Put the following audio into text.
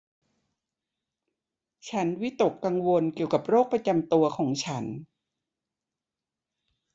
ฉันวิตกกังวลเกี่ยวกับโรคประจำตัวของฉัน